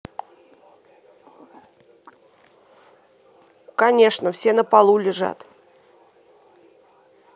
конечно все на полу лежат